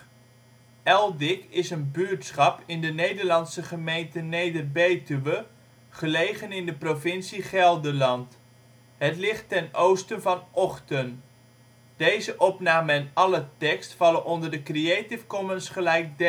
buurtschap in de Nederlandse gemeente Neder-Betuwe, gelegen in de provincie Gelderland. Het ligt ten oosten van Ochten. Plaatsen in de gemeente Neder-Betuwe Dorpen: Dodewaard · Echteld · IJzendoorn · Kesteren · Ochten · Opheusden Buurtschappen: Den Akker · Eldik · Hien · Hoogbroek · Lede en Oudewaard · Ooij · Pottum · Wely Gelderland: Steden en dorpen in Gelderland Nederland: Provincies · Gemeenten 51° 54 ' NB, 5°